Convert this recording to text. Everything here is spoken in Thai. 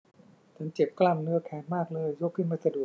ฉันเจ็บกล้ามเนื้อแขนมากเลยยกขึ้นไม่สะดวก